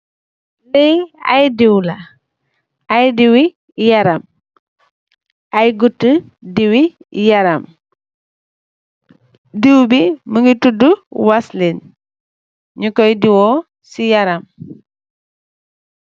Li ay diw la, ay diwi yaram , ay guteh diwi yaram. Diw bi mugeh tuddu waslin, ñi koy diwó ci yaram.